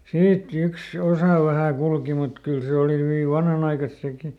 siitä yksi osa vähän kulki mutta kyllä se oli hyvin vanhanaikaista sekin